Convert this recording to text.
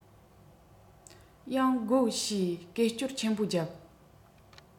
ཡང དགོས ཞེས སྐད ཅོར ཆེན པོ བརྒྱབ